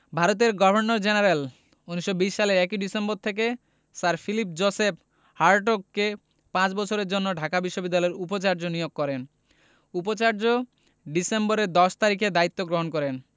ভারতের governor general ১৯২০ সালের ১ December থেকে স্যার ফিলিপ জোসেফ হার্টগকে পাঁচ বছরের জন্য ঢাকা বিশ্ববিদ্যালয়ের উপাচার্য নিয়োগ করেন উপাচার্য ডিসেম্বরের ১০ তারিখে দায়িত্ব গ্রহণ করেন